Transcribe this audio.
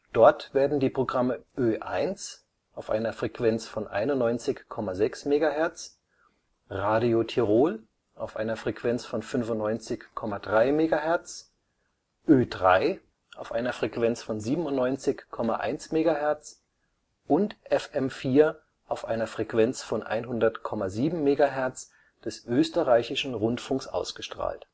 Dort werden die Programme Ö1 (91,6 MHz), Radio Tirol (95,3 MHz), Ö3 (97,1 MHz) und FM4 (100,7 MHz) des Österreichischen Rundfunks ausgestrahlt